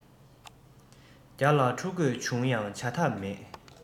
བརྒྱ ལ འཁྲུག དགོས བྱུང ཡང བྱ ཐབས མེད